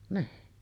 niin